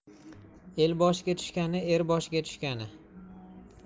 el boshiga tushgani er boshiga tushgani